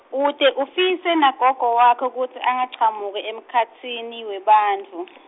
ute ufise nagogo wakho kutsi angachamuki emkhatsini webantfu .